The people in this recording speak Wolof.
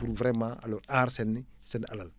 pour vraiment lu aar seen i seen alal